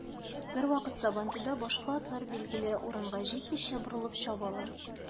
Бервакыт сабантуйда башка атлар билгеле урынга җитмичә, борылып чабалар.